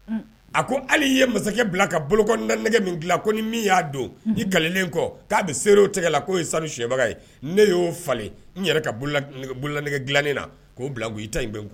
Unh a ko hal'i ye masakɛ bila ka bolokɔɔnanɛgɛ min dilan ko ni min y'a don i kalilen kɔ k'a bi seere o tɛgɛ la k'o ye sanu suɲɛbaga ye ne y'o falen n yɛrɛ ka boolag nege boolanege dilanen na k'o bila n kun i ta in be n kun.